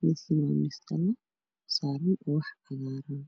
miiskana waa miis dhalo ah waxaa saaran ubax cagaar ah.